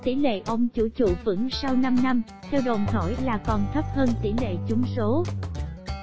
tỷ lệ ông chủ trụ vững sau năm theo đồn thổi là thấp hơn tỷ lệ trúng số đề